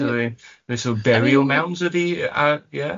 Oedd e'n wneud sort of burial mounds ydi a ie?